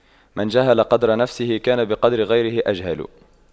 من جهل قدر نفسه كان بقدر غيره أجهل